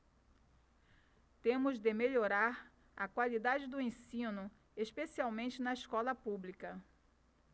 temos de melhorar a qualidade do ensino especialmente na escola pública